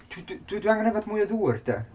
Dw- dw- dwi angen yfed mwy o ddŵr 'de.